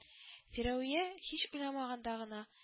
Фирәвия һич уйламаганда гына